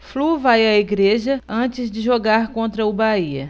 flu vai à igreja antes de jogar contra o bahia